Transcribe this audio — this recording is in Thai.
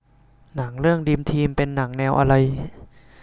หนังเรื่องดรีมทีมเป็นหนังแนวอะไร